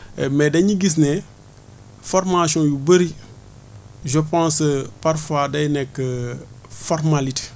mais dañu gis ne formation yu bëri je pense parfois day nekk formalité